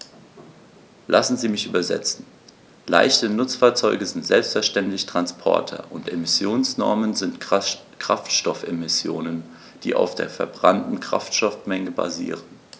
Lassen Sie mich übersetzen: Leichte Nutzfahrzeuge sind selbstverständlich Transporter, und Emissionsnormen sind Kraftstoffemissionen, die auf der verbrannten Kraftstoffmenge basieren.